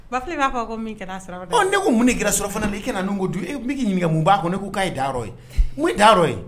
Balen k'a fɔ ko min ka taa sira ne ko mun ni gra sɔrɔ fana i kana n ko dun e' ɲininka mun b'a kɔnɔ ne k' k'a ye da ye n ye da ye